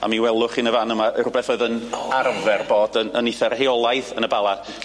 A mi welwch chi yn y fan yma rwbeth oedd yn arfer bod yn yn eitha rheolaidd yn y Bala